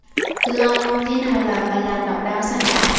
thưa ông thế nào là bài làm độc đáo sáng tạo